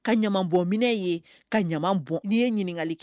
Ka ɲama bɔ minɛ ye ka bɔ n'i ye ɲininkakali kɛ